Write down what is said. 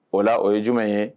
O la o ye jumɛn ye